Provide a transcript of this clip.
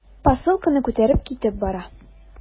Посылканы күтәреп китеп бара.